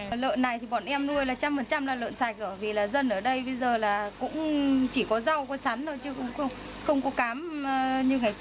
lợn này thì bọn em nuôi là trăm phần trăm là lợn sạch rồi vì là dân ở đây bây giờ là cũng chỉ có rau có sắn thôi chứ không không có cám ơ như ngày